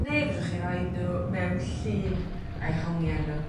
Ne' fedrwch chi roid n'w mewn llun a'u hongian n'w.